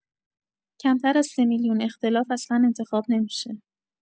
کمتر از ۳ میلیون اختلاف اصلا انتخاب نمی‌شه